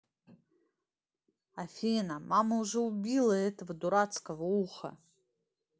афина мама уже убила этого дурацкого уха